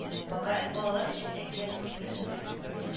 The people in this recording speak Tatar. Багаев балалар өчен әкият рус телендә